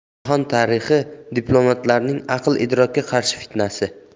jahon tarixi diplomatlarning aql idrokka qarshi fitnasi